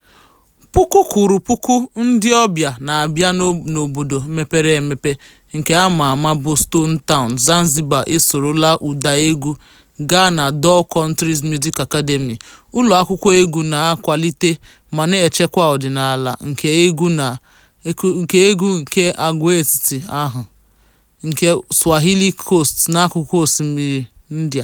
Puku kwụrụ puku ndị ọbịa na-abịa n'obodo mepere emepe nke a ma ama bụ Stone Town, Zanzibar, esorola ụda egwu gaa na Dhow Countries Music Academy (DCMA), ụlọakwụkwọ egwu na-akwalite ma na-echekwa ọdịnala nke egwu nke agwaetiti ahụ nke Swahili Coast n'akụkụ Oke Osimiri India.